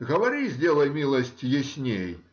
— Говори, сделай милость, ясней